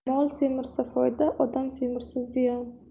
mol semirsa foyda odam semirsa ziyon